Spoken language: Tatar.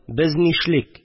Без нишлик